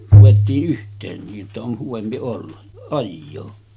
ruvettiin yhteen niin että on hyvempi olla ajaa